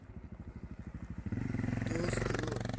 ну ты остыла